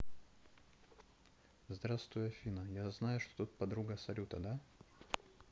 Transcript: здравствуй афина я знаю что тут подруга салюта да